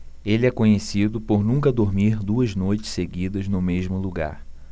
ele é conhecido por nunca dormir duas noites seguidas no mesmo lugar